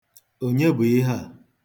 Onye bụ ihe a?